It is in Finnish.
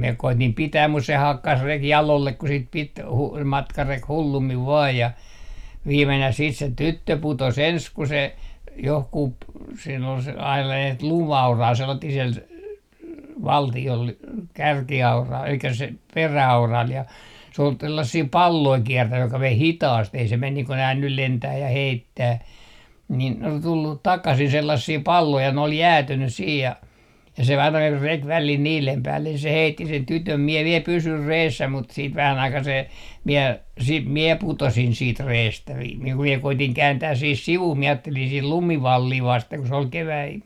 minä koetin pitää mutta se hakkasi reki jalolle kun sitä piti - matkareki hullummin vain ja viimenään sitten se tyttö putosi ensin kun se johonkin siinä oli aina sellainen lumiaura sanottiin siellä valtiolla kärkiaura eli se peräauralla ja se oli tällaisia palloja kiertänyt joka vei hitaasti ei se mene niin kuin nämä nyt lentää ja heittää niin oli tullut takaisin sellaisia palloja ja ne oli jäätynyt siinä ja ja se aina reki välillä niiden päälle se heitti sen tytön minä vielä pysyin reessä mutta sitten vähän aikaa se minä sitten minä putosin sitten reestä - kun minä koetin kääntää siihen sivuun minä ajattelin siihen lumivallia vasten kun se oli kevät